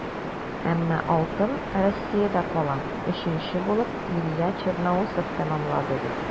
Әмма алтын Россиядә кала - өченче булып Илья Черноусов тәмамлады бит.